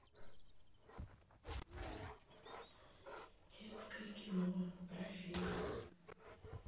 детское кино про фей